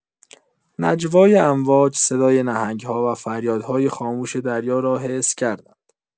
نجوای امواج، صدای نهنگ‌ها، و فریادهای خاموش دریا را حس کردند.